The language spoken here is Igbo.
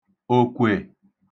òkwè